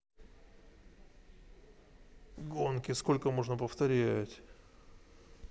гонки сколько можно повторять